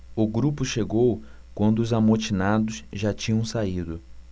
o grupo chegou quando os amotinados já tinham saído